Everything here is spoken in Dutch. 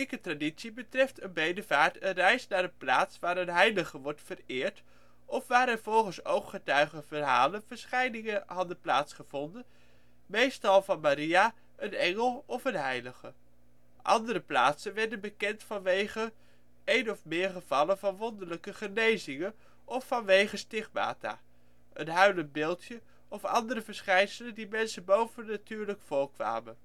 traditie betreft een bedevaart een reis naar een plaats waar een heilige wordt vereerd, of waar er volgens ooggetuigenverhalen verschijningen hadden plaatsgevonden, meestal van Maria, een engel of een heilige. Andere plaatsen werden bekend vanwege een of meer gevallen van wonderlijke genezingen, of vanwege stigmata, een ' huilend ' beeldje, of andere verschijnselen die mensen bovennatuurlijk voorkwamen